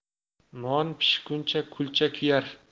non pishguncha kulcha kuyar